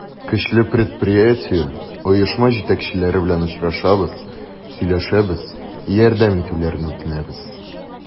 Көчле предприятие, оешма җитәкчеләре белән очрашабыз, сөйләшәбез, ярдәм итүләрен үтенәбез.